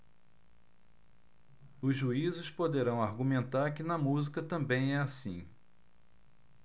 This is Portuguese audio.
os juízes poderão argumentar que na música também é assim